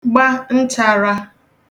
gba nchārā